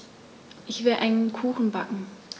Ich will einen Kuchen backen.